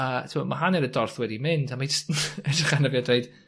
a t'mo' ma' hanner y dorth wedi mynd a mae 'i jys- edrych arno fi a dweud